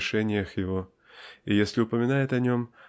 решениях его и если упоминает о нем